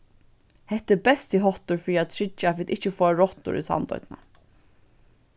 hetta er besti háttur fyri at tryggja at vit ikki fáa rottur í sandoynna